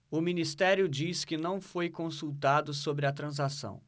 o ministério diz que não foi consultado sobre a transação